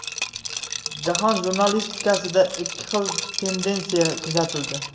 jahon jurnalistikasida ikki xil tendentsiya kuzatildi